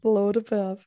Lord above.